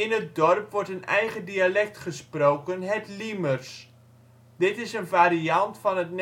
het dorp wordt een eigen dialect gesproken: het Liemers. Dit is een variant van het